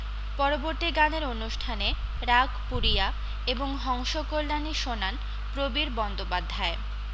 পরবর্তী গানের অনুষ্ঠানে রাগ পুরিয়া এবং হংসকল্যাণী শোনান প্রবীর বন্দ্যোপাধ্যায়